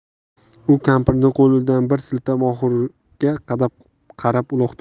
u kampirni qo'lidan bir siltab oxurga qarab uloqtirdi